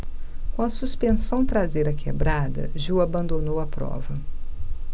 com a suspensão traseira quebrada gil abandonou a prova